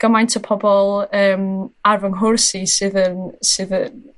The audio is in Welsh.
gymaint o pobol yym ar fy nghwrs i sydd yn sydd yn